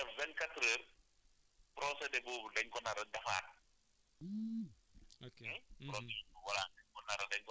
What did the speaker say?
ndox boobu utiliser wu ñu ko mu def vingt quatre heures procédé boobu dañ ko nar a defaat